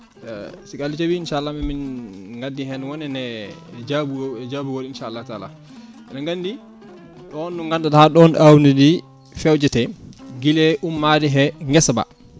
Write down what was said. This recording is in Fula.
siiki Allah jaaɓi inchallah mamin gaddi hen wonen e jaabuwul inchallahu taala eɗen gandi ɗon ɗo ganduɗa ɗon awdi fewjete guuile ummade e guesa ba